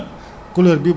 moom couleur bi nu mu mel